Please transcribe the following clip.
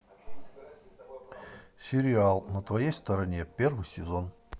сериал на твоей стороне первый сезон